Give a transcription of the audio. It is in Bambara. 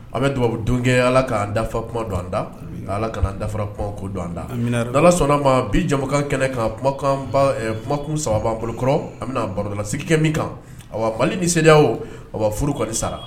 A bɛ dugawubabu don ala ka'an dafa kuma don an da ala ka dafafara kumako don da ala sɔnna ma bijakan kɛnɛ kan kuma kuma saba bolokɔrɔ bɛna barodala sikɛ min kan a mali nisɛ a furu ka sara